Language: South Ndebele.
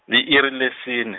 li-iri lesine.